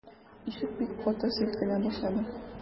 Ишек бик каты селкенә башлады.